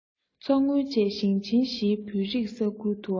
མཚོ སྔོན བཅས ཞིང ཆེན བཞིའི བོད རིགས ས ཁུལ དུའང